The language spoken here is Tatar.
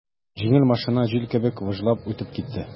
Җиңел машина җил кебек выжлап үтеп китте.